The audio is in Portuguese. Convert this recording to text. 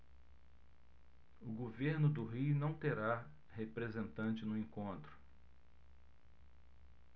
o governo do rio não terá representante no encontro